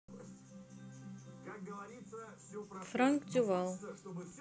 frank duval